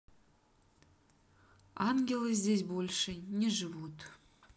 ангелы здесь больше не живут